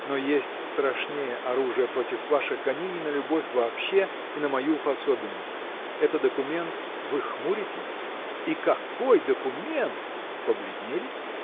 Но есть страшнее оружие против ваших гонений на любовь вообще и на мою в особенности – это документ. Вы хмуритесь? и какой документ!!! побледнели?